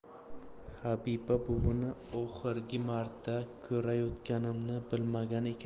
habiba buvini oxirgi marta ko'rayotganimni bilmagan ekanman